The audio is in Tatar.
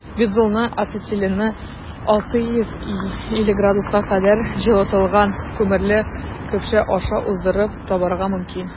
Бензолны ацетиленны 650 С кадәр җылытылган күмерле көпшә аша уздырып табарга мөмкин.